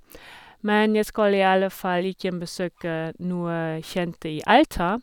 Men jeg skal i alle fall igjen besøke noe kjente i Alta.